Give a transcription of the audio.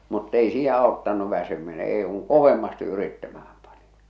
mutta ei siinä auttanut väsyminen ei kun kovemmasti yrittämään pani